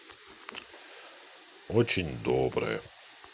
очень доброе